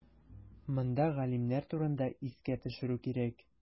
Монда галимнәр турында искә төшерү кирәк.